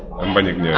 a Mbagnick Ndiaye